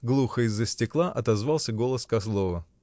— глухо, из-за стекла, отозвался голос Козлова.